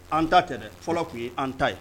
An ta kɛlɛ fɔlɔ tun ye an ta ye